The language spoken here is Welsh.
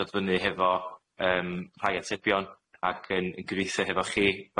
dod fyny hefo yym rhai atebion ac yn yn gydweithio hefo chi